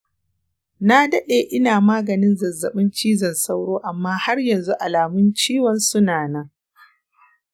na daɗe ina maganin zazzabin cizon sauro amma har yanzu alamun ciwon suna nan.